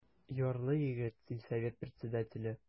Ярлы егет, сельсовет председателе.